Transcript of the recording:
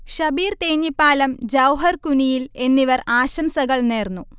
ഷബീർ തേഞ്ഞിപ്പാലം, ജൗഹർ കുനിയിൽ എന്നിവർ ആശംസകൾ നേർന്നു